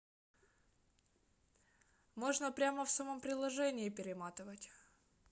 можно прямо в самом приложении перематывать